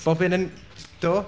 Da iawn. Bob un yn do?